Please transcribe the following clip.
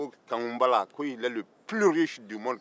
ko kankun bala ko il est le plus riche du monde